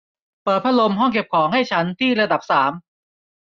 เปิดพัดลมห้องเก็บของให้ฉันที่ระดับสาม